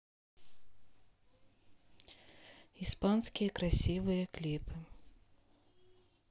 испанские красивые клипы